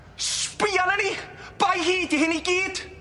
Sbïa arnon ni! Bai hi di hyn i gyd!